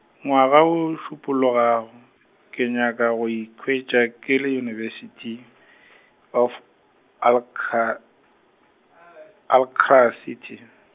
ngwaga wo o šupologago, ke nyaka go ikhwetša ke le University , of Alcra- , Alcra- city.